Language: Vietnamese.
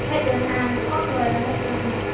hệ tuần hoàn của con người là hệ tuần hoàn